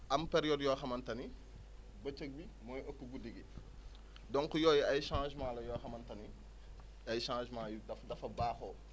am période yoo xamante ne bëccëg bi mooy ëpp guddi gi donc yooyu ay changement la yoo xamante ni ay changements yu def dafa baaxoo